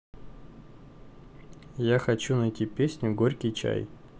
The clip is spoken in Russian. я хочу найти песню горький чай